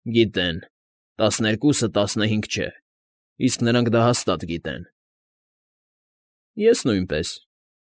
Գիտեն, տասներկուսը տասնհինգ չէ, իսկ նրանք դա հաստատ գիտեն։ ֊ Ես՝ նույնպես։